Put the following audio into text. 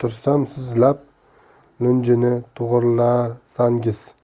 tursam siz lab lunjini to'g'rilasangiz